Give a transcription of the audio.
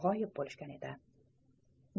g'oyib bo'lishgan edi